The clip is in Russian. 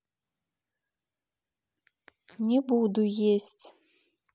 не буду есть